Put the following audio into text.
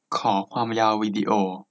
ขอความยาววิดีโอ